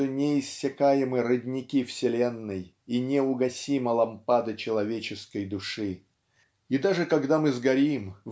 что неиссякаемы родники вселенной и неугасима лампада человеческой души. И даже когда мы сгорим